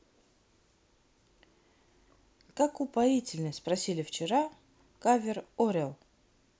как упоительны просили вечера кавер орел